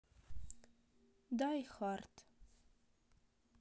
дай хард